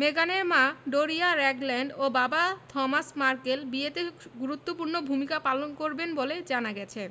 মেগানের মা Doria Ragland ও বাবা থমাস মার্কেল বিয়েতে গুরুত্বপূর্ণ ভূমিকা পালন করবেন বলে জানা গেছে